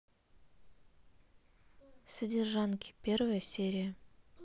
содержанки первая серия